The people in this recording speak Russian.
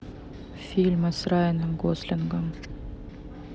фильмы с райаном гослингом